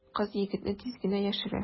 Кыз егетне тиз генә яшерә.